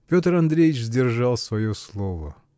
Петр Андреич сдержал свое слово.